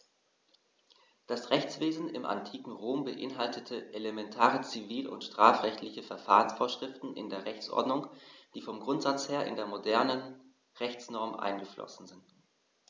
Das Rechtswesen im antiken Rom beinhaltete elementare zivil- und strafrechtliche Verfahrensvorschriften in der Rechtsordnung, die vom Grundsatz her in die modernen Rechtsnormen eingeflossen sind.